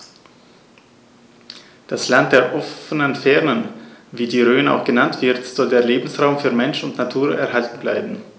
Das „Land der offenen Fernen“, wie die Rhön auch genannt wird, soll als Lebensraum für Mensch und Natur erhalten werden.